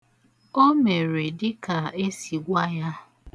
O mere dịka e si gwa ya.